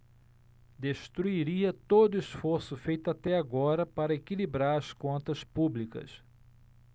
destruiria todo esforço feito até agora para equilibrar as contas públicas